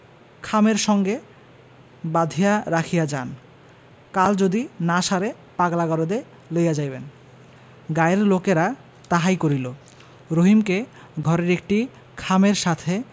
খামের সঙ্গে বাঁধিয়া রাখিয়া যান কাল যদি না সারে পাগলা গারদে লইয়া যাইবেন গাঁয়ের লোকেরা তাহাই করিল রহিমকে ঘরের একটি খামের সাথে